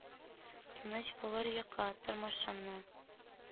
«тыныч булыр йокы, тормышымны